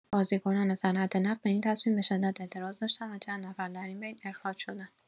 بازیکنان صنعت‌نفت به این تصمیم به‌شدت اعتراض داشتند و چند نفر در این بین اخراج شدند